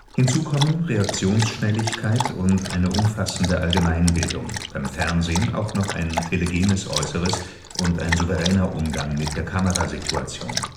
Hinzu kommen Reaktionsschnelligkeit und eine umfassende Allgemeinbildung, beim Fernsehen auch noch ein „ telegenes “Äußeres und ein souveräner Umgang mit der Kamerasituation